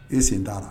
E sen t'a la